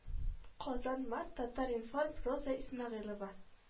Казан март татар-информ роза исмәгыйлова